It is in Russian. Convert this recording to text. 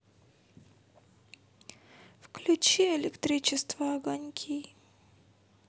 включи электричество огоньки